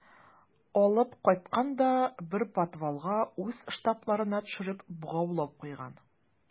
Алып кайткан да бер подвалга үз штабларына төшереп богаулап куйган.